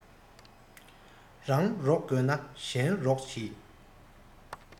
རང རོགས དགོས ན གཞན རོགས གྱིས